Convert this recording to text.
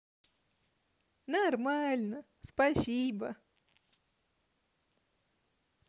нормально спасибо